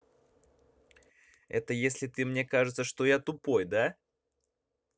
это если ты мне кажется что я тупой да